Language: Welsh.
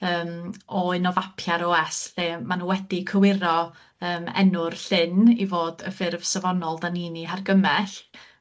yym o un o fapia'r Owe Ess lle ma' nw wedi cywiro yym enw'r llyn i fod y ffurf safonol 'dan ni'n 'i hargymell